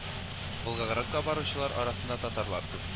Волгаградка баручылар арасында татарлар күп